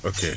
ok